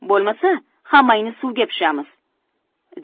bo'lmasa hammangni suvga pishamiz